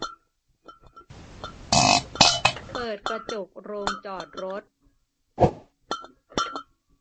เปิดกระจกโรงจอดรถ